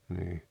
niin